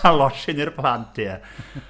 A losin i'r plant, ie .